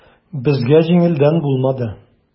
Безгә җиңелдән булмады.